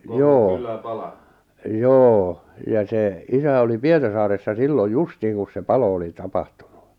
joo joo ja se isä oli Pietarsaaressa silloin justiin kun se palo oli tapahtunut